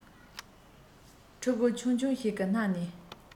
ཕྲུ གུ ཆུང ཆུང ཞིག གི སྣ ནས